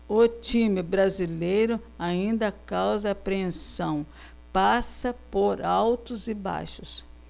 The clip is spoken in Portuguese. o time brasileiro ainda causa apreensão passa por altos e baixos